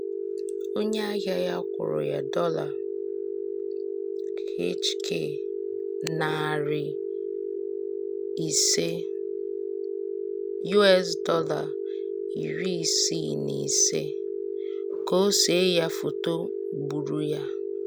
Onye ahịa ya kwụrụ ya dọla HK$500 (US$65) ka o see ya foto gburu ya.